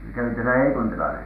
kävitte siellä Heikuntilla -